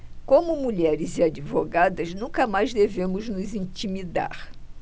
como mulheres e advogadas nunca mais devemos nos intimidar